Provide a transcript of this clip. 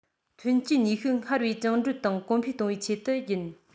ཐོན སྐྱེད ནུས ཤུགས སྔར བས བཅིངས འགྲོལ དང གོང འཕེལ གཏོང བའི ཆེད དུ ཡིན